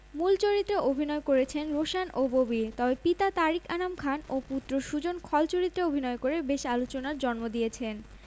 স্বল্পদৈর্ঘ্য চলচ্চিত্র সেলাই জীবন